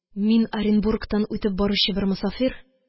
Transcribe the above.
Мин оренбургтан үтеп баручы бер мосафир